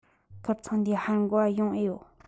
ཁིར ཚང འདིའི ཧར འགོ འ ཡོང ཨེ ཡོད